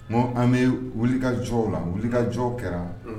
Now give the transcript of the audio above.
N an bɛ wulika jɔw la wulika jɔw kɛra